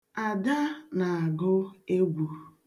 Ada na-agụ egwu.